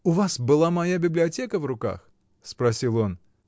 — У вас была моя библиотека на руках? — спросил он.